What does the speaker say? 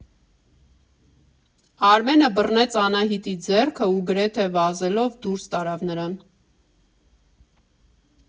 Արմենը բռնեց Անահիտի ձեռքը ու գրեթե վազելով դուրս տարավ նրան։